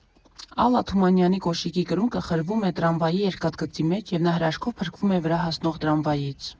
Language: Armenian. Ալլա Թումանյանի կոշիկի կրունկը խրվում է տրամվայի երկաթգծի մեջ և նա հրաշքով փրկվում է վրա հասնող տրամվայից…